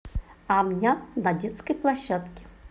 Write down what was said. ам ням на детской площадке